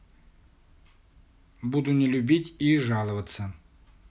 буду не любить и жаловаться